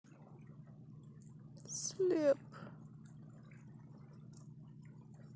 слеп